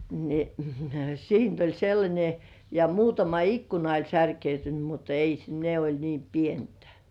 niin siitä oli sellainen ja muutama ikkuna oli särkynyt mutta ei - ne oli niin pientä